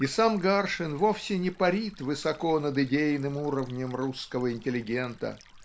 И сам Гаршин вовсе не парит высоко над идейным уровнем русского интеллигента.